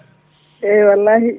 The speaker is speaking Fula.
eeyi wallahi